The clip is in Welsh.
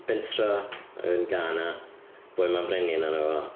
Bentre yn Ghana boi ma'n frenin arna fo...